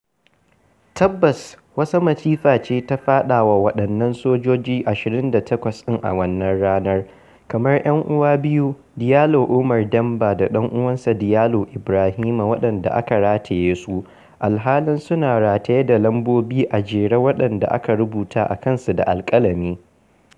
Tabbas, wata masifa ce ta faɗawa waɗannan sojoji 28 ɗin a wannan ranar. Kamar 'yan'uwa biyu, Diallo Oumar Demba da ɗan'uwansa Diallo Ibrahima, waɗanda aka rataye su alhali suna rataye da lambobi a jere waɗanda aka rubuta a kansu da alƙalami.